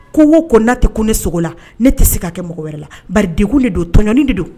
Ko ko na tɛ kun ne sogo la ne tɛ se ka kɛ mɔgɔ wɛrɛ la baridekun de don tɔjni de do